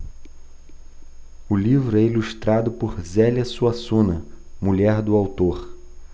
o livro é ilustrado por zélia suassuna mulher do autor